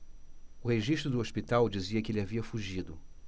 o registro do hospital dizia que ele havia fugido